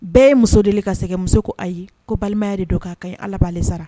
Bɛɛ ye muso deli ka sɛgɛn, muso ko ayi ,ko balimaya de don k'a kaɲi allah b'a le sara.